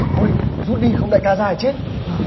thôi rút đi không đại ca ra thì chết